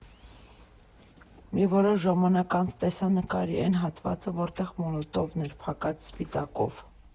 Մի որոշ ժամանակ անց, տեսա նկարի էն հատվածը, որտեղ մոլոտովն էր՝ փակած սպիտակով։